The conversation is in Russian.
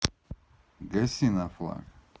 гаси на флаг